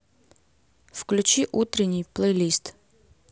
включи утренний плейлист